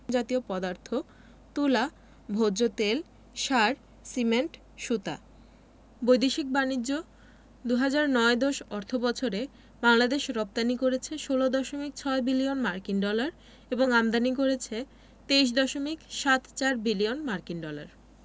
জাতীয় পদার্থ তুলা ভোজ্যতেল সার সিমেন্ট সুতা বৈদেশিক বাণিজ্যঃ ২০০৯ ১০ অর্থবছরে বাংলাদেশ রপ্তানি করেছে ১৬দশমিক ৬ বিলিয়ন মার্কিন ডলার এবং আমদানি করেছে ২৩দশমিক সাত চার বিলিয়ন মার্কিন ডলার